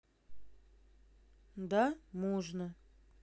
да можно